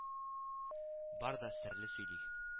Бар да серле сөйли